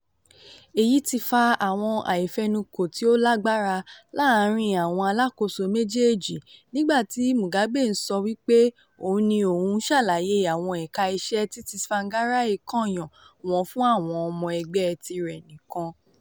Èyí tí fa àwọn àìfẹnukò tí ó lágbára láàárín àwọn alákòóso méjèèjì, nígbà tí Mugabe ń sọ wípé òun ni òun ṣàlàyé àwọn ẹ̀ka iṣẹ́ tí Tsvangirai kàn yàn wọ́n fún àwọn ọmọ ẹgbẹ́ tirẹ̀ nìkan.